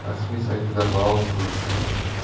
rasmiy saytida ma'lum qilindi